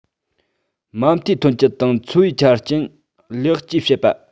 མ མཐའི ཐོན སྐྱེད དང འཚོ བའི ཆ རྐྱེན ལེགས བཅོས བྱེད པ